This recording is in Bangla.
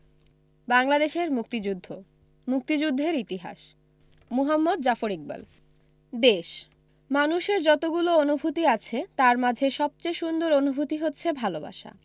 বাংলাদেশের মুক্তিযুদ্ধ মুক্তিযুদ্ধের ইতিহাস মুহম্মদ জাফর ইকবাল দেশ মানুষের যতগুলো অনুভূতি আছে তার মাঝে সবচেয়ে সুন্দর অনুভূতি হচ্ছে ভালোবাসা